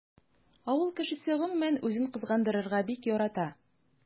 Авыл кешесе гомумән үзен кызгандырырга бик ярата.